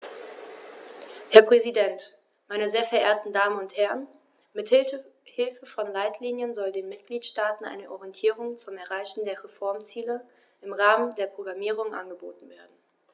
Herr Präsident, meine sehr verehrten Damen und Herren, mit Hilfe von Leitlinien soll den Mitgliedstaaten eine Orientierung zum Erreichen der Reformziele im Rahmen der Programmierung angeboten werden.